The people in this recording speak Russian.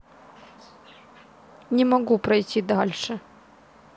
не могу пройти дальше